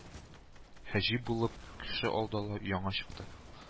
Хаҗи булып кеше алдалау яңа чыкты